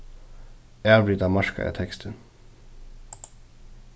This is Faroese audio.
avrita markaða tekstin